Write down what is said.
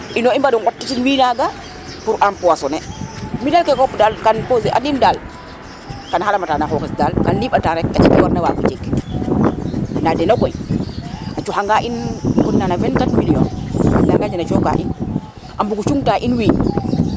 ino i mbadi ŋot naga pour empoissoné mi dal kege fop dal kam poser anim dal kam xalamata noi xoxes dal kam liɓata rek ke war na wago jeg nda deno koy o coxa nga in pod naana 24 millions dena coxka in a mbugo cung ta in wiin